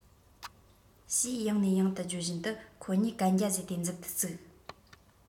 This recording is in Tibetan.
ཞེས ཡང ནས ཡང དུ བརྗོད བཞིན དུ ཁོ གཉིས གན རྒྱ བཟོས ཏེ མཛུབ ཐེལ བཙུགས